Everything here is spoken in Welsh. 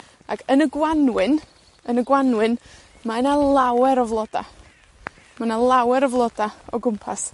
Ag yn y Gwanwyn, yn y Gwanwyn, mae 'na lawer o floda. Ma' 'na lawer o floda' o gwmpas,